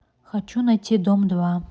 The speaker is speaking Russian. я хочу найти дом два